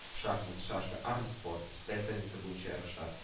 Шахмат, шашка, арм-спорт, өстәл теннисы буенча ярышлар